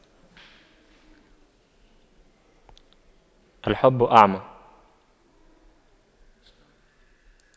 الحب أعمى